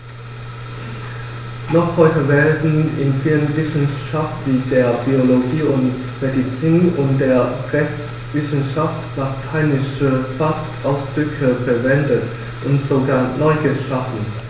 Noch heute werden in vielen Wissenschaften wie der Biologie, der Medizin und der Rechtswissenschaft lateinische Fachausdrücke verwendet und sogar neu geschaffen.